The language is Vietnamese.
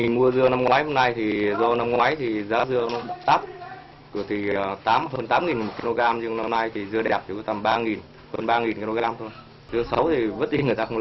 khi mua dưa năm ngoái năm nay thì do năm ngoái thì giá dừa táp rồi thì tám hơn tám nghìn một kg nhưng lần này thì dưa đẹp chỉ tầm ba nghìn hơn ba nghìn ki lô gam thôi dưa xấu thì vất đi người ta không